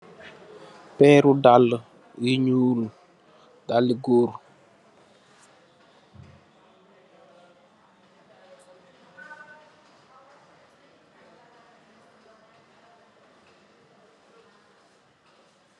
Pééru dalli yu ñuul, dalli gór.